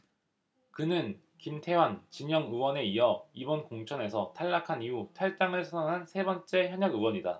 그는 김태환 진영 의원에 이어 이번 공천에서 탈락한 이후 탈당을 선언한 세 번째 현역 의원이다